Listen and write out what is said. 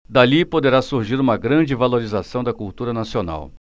dali poderá surgir uma grande valorização da cultura nacional